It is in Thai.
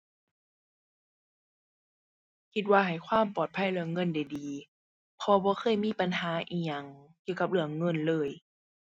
คิดว่าให้ความปลอดภัยเรื่องเงินได้ดี เพราะบ่เคยมีปัญหาอิหยังเกี่ยวกับเรื่องเงินเลย